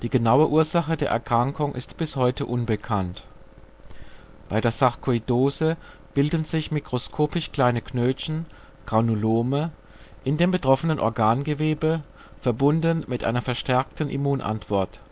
genaue Ursache der Erkrankung ist bis heute unbekannt. Bei der Sarkoidose bilden sich mikroskopisch kleine Knötchen (Granulome) in dem betroffenen Organgewebe, verbunden mit einer verstärkten Immunantwort